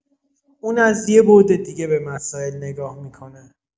اون از یه بعد دیگه به مسائل نگاه می‌کنه